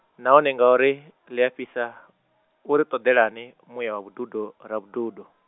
nahone ngauri ḽi a fhisa, uri u ṱoḓelani vhududo Ravhududo?